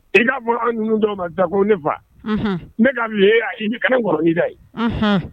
I ka ninnu dɔw ma dabo ne fa ne ka bi e i ka ŋin da ye